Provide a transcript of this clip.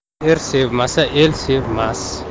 er sevmasa el sevmas